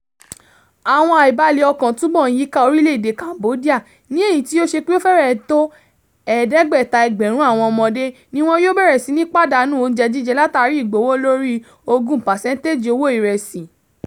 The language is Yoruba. Àwọn àìbalẹ̀-ọkàn túbọ̀ ń yíká orílẹ̀-èdè Cambodia ní èyí tí ó ṣe pé ó fèrẹ́ tó 500,000 àwọn ọmọdé ni wọ́n yóò bẹ̀rẹ̀ sí ní pàdánù oúnjẹ jíjẹ látàrí ìgbówólórí 20% owó ìrẹsì.